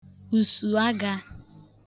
ùsùagā